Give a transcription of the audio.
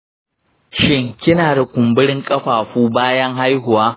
shin kina da kumburin ƙafafu bayan haihuwa?